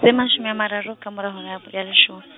e mashome a mararo ka mora hora ya, ya leshome.